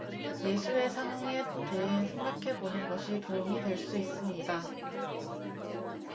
예수의 상황에 대해 생각해 보는 것이 도움이 될 수 있습니다